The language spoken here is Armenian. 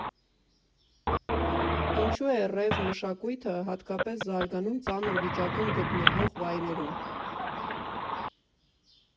Ինչու է ռեյվ մշակույթը հատկապես զարգանում ծանր վիճակում գտնվող վայրերում.